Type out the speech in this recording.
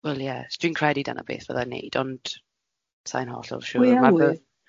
Wel, ie, so dwi'n credu dyna beth fydda'n wneud, ond sa i'n hollol siŵr. Pwy a wyr?